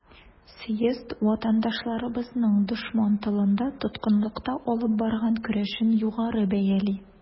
Съезд ватандашларыбызның дошман тылында, тоткынлыкта алып барган көрәшен югары бәяли.